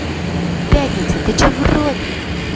пятница че ты в рот